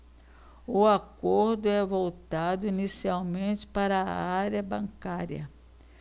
o acordo é voltado inicialmente para a área bancária